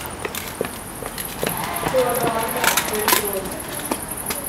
ตัวร้อนแบบรุมรุม